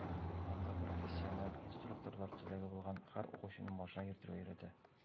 Анда профессиональ инструкторлар теләге булган һәр укучыны машина йөртергә өйрәтә.